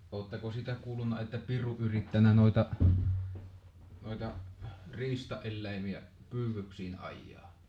oletteko sitä kuullut että piru yrittänyt noita noita riistaeläimiä pyydyksiin ajaa